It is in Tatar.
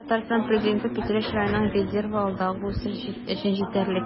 Татарстан Президенты: Питрәч районының резервы алдагы үсеш өчен җитәрлек